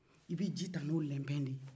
i bɛ ji ta n'o lɛnpɛ de ye